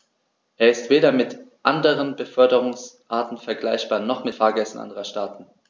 Er ist weder mit anderen Beförderungsarten vergleichbar, noch mit Fahrgästen anderer Staaten.